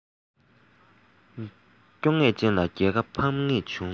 སྐྱོ ནད ཅན ལ རྒྱལ ཁ ཕམ ཉེས བྱུང